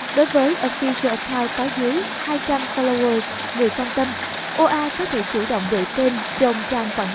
đối với official account có dưới followers oa có thể chủ động đổi tên trong trang quản lý